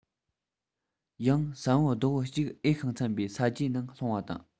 ཡང ས བོན རྡོག བུ གཅིག འོས ཤིང འཚམ པའི ས རྒྱུའི ནང ལྷུང བ དང